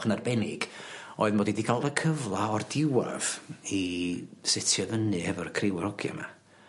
...yn arbennig oedd mod i 'di ca'l y cyfla o'r diwadd i setio fyny efo'r criw yr ogia 'ma.